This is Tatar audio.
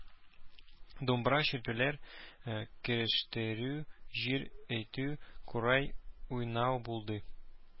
Думбра чиртүләр, көрәштерү, җыр әйтү, курай уйнау булды.